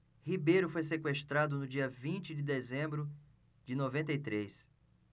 ribeiro foi sequestrado no dia vinte de dezembro de noventa e três